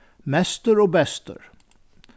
mestur og bestur